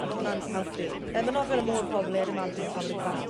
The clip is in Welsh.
A ma' hwnna'n helpu yy ma' nofio yn y môr probably I'd imagine yn ca'l yr exact